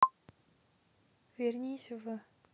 вернись в